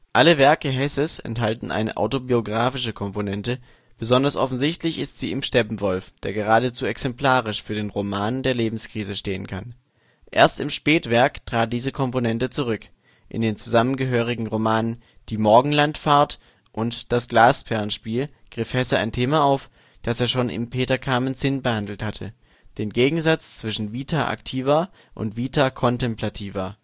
Alle Werke Hesses enthalten eine autobiographische Komponente, besonders offensichtlich ist sie im " Steppenwolf ", der geradezu exemplarisch für den " Roman der Lebenskrise " stehen kann. Erst im Spätwerk trat diese Komponente zurück - in den zusammengehörigen Romanen " Die Morgenlandfahrt " und " Das Glasperlenspiel " griff Hesse ein Thema auf, das er schon im " Peter Camenzind " behandelt hatte: den Gegensatz zwischen vita activa und vita contemplativa